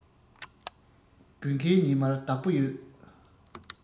དགུན ཁའི ཉི མར བདག པོ ཡོད